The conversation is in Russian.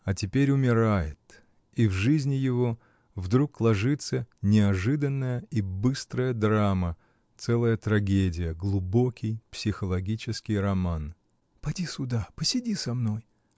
А теперь умирает, и в жизни его вдруг ложится неожиданная и быстрая драма, целая трагедия, глубокий, психологический роман. — Поди сюда, посиди со мной!